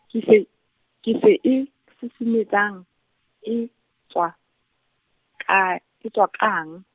ke se, ke se e, susumetsang, e, tswa, ka e- etswa kang?